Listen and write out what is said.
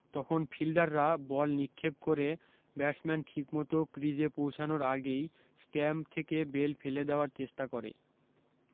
তখন ফিল্ডাররা বল নিক্ষেপ করে ব্যাটসম্যান ঠিকমত ক্রিজে পৌঁছানোর আগেই স্ট্যাম্প থেকে বেল ফেলে দেয়ার চেষ্টা করে